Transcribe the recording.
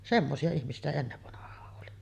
semmoisia ihmisiä sitä ennen vanhaan oli